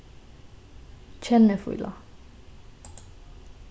kennifíla